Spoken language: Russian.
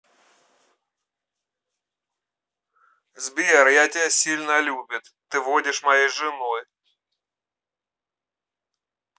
сбер я тебя сильно любит ты водишь моей женой